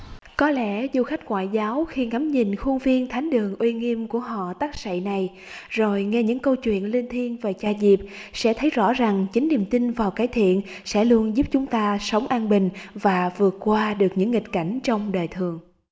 có lẽ du khách ngoại giáo khi ngắm nhìn khuôn viên thánh đường uy nghiêm của họ tắc sậy này rồi nghe những câu chuyện linh thiêng và cha diệp sẽ thấy rõ rằng chính niềm tin vào cái thiện sẽ luôn giúp chúng ta sống an bình và vượt qua được những nghịch cảnh trong đời thường